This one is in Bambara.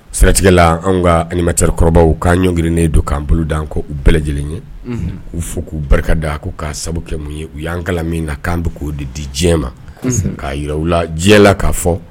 Sɛgɛtigɛ la an ka nimakɔrɔbaw k'an ɲɔngirinen don k'an bolo' an ko u bɛɛ lajɛlen ye u fo k'u barika da a ko k'a sababu kɛ mun ye u y'an kalan min na k'an bɛ k'o di di diɲɛ ma k' jira u la diɲɛ la k ka fɔ